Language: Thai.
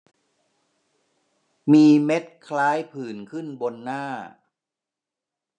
มีเม็ดคล้ายผื่นขึ้นบนหน้า